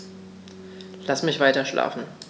Lass mich weiterschlafen.